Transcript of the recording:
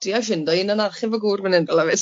Driai ffindo un yn archif y gŵr fan hyn.